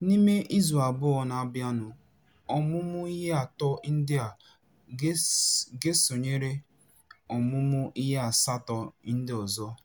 N'ime izu abụọ na-abịanụ, ọmụmụ ihe atọ ndị a ga-esonyere ọmụmụ ihe asatọ ndị ọzọ.